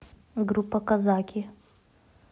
группа казаки